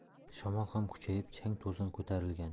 shamol ham kuchayib chang to'zon ko'tarilgandi